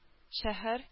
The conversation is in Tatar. Шәһәр